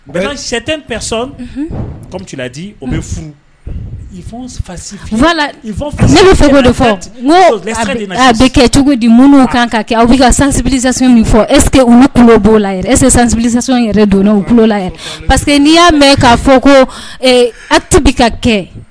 Fɔ bɛ kɛ cogo di minnu kan ka kɛ a bɛ sanbi min es u tulo b'o la ebi in yɛrɛ donla parce que n'i y'a mɛn k' fɔ ko a bɛ ka kɛ